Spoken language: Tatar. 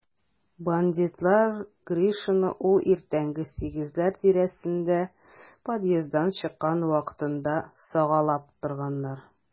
Бандитлар Гришинны ул иртәнге сигезләр тирәсендә подъезддан чыккан вакытында сагалап торганнар.